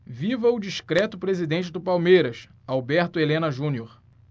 viva o discreto presidente do palmeiras alberto helena junior